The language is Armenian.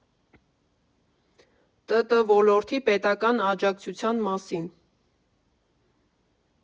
ՏՏ ոլորտի պետական աջակցության մասին։